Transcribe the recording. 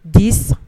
T'i san